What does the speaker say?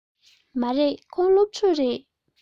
མ རེད ཁོང སློབ ཕྲུག རེད